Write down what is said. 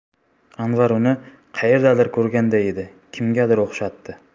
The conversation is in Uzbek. anvar uni qaerdadir ko'rganday edi kimgadir o'xshatdi